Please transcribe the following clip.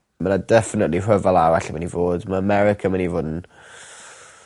Ma' 'na definately rhyfel arall yn myn' i fod, ma' 'Merica myn' i fod 'n